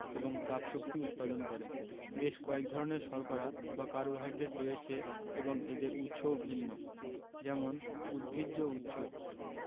এবং তাপশক্তি উৎপাদন করে বেশ কয়েক ধরনের শর্করা বা কার্বোহাইড্রেট রয়েছে এবং এদের উৎস ও ভিন্ন যেমন উদ্ভিজ্জ উৎস